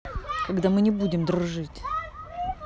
когда мы не будем дружить